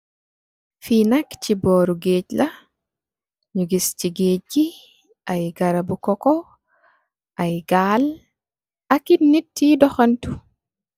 Fii nak ci bóri gaaj la, ñu gis ci gaaj gi ay garabi koko ay gal ak kit nit yuy doxantu.